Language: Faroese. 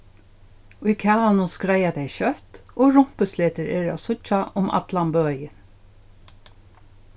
í kavanum skreiða tey skjótt og rumpusletur eru at síggja um allan bøin